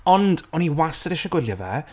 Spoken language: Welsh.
Ond, o'n i wastad isie gwylio fe,